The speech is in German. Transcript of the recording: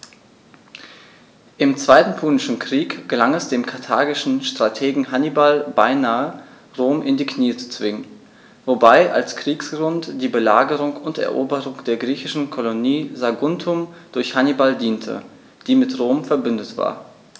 Im Zweiten Punischen Krieg gelang es dem karthagischen Strategen Hannibal beinahe, Rom in die Knie zu zwingen, wobei als Kriegsgrund die Belagerung und Eroberung der griechischen Kolonie Saguntum durch Hannibal diente, die mit Rom „verbündet“ war.